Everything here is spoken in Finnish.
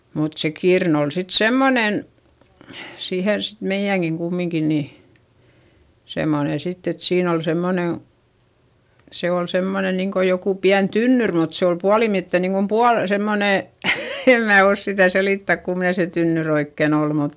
mutta se kirnu oli sitten semmoinen siihen sitten meidänkin kumminkin niin semmoinen sitten että siinä oli semmoinen se oli semmoinen niin kuin joku pieni tynnyri mutta se oli puolimiten niin kuin - semmoinen en minä osaa sitä selittää kummoinen se tynnyri oikein oli mutta